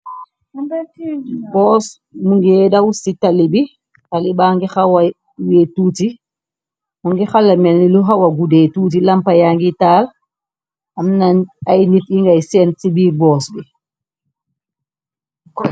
Bus mu ngiedawus ci tali bi, taliba ngi xawa weex tuuti mu ngi xala melni lu xawa gudee tuuti, lampa ya ngi taal am na ay nit yi ngay seen ci biir bus bi.